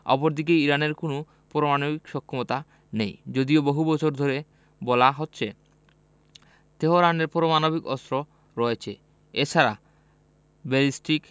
অপরদিকে ইরানের কোনো পারমাণবিক সক্ষমতা নেই যদিও বহু বছর ধরে বলা হচ্ছে তেহরানের পরমাণবিক অস্ত্র রয়েছে এ ছাড়া ব্যালিস্টিক